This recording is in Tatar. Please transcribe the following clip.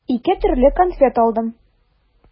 Ике төрле конфет алдым.